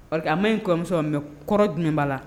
O a ma in kɔmuso n mɛ kɔrɔ jumɛn b'a la